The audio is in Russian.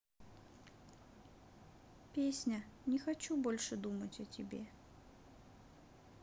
песня не хочу больше думать о тебе